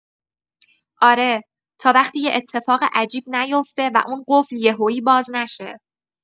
آره، تا وقتی یه اتفاق عجیب نیفته و اون قفل یهویی باز نشه.